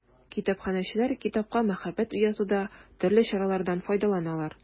Китапханәчеләр китапка мәхәббәт уятуда төрле чаралардан файдаланалар.